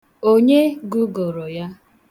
Onye gụgụrọ ya?